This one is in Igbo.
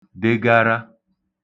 degara